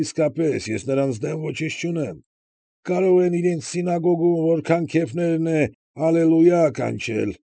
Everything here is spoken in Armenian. Իսկապես նրանց դեմ ոչինչ չունիմ։ Կարող են իրենց սինագոգում որքան քեֆներն է «ալելույա» կանչել։